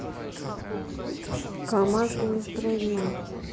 камаз неисправимо